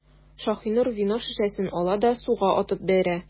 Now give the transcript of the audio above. Шаһинур вино шешәсен ала да суга атып бәрә.